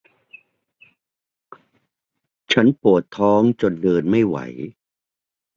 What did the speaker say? ฉันปวดท้องจนเดินไม่ไหว